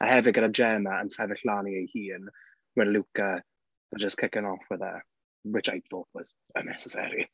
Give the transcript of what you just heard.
A hefyd gyda Gemma yn sefyll lan i ei hun when Luca was just kicking off with her, which I thought was unnecessary.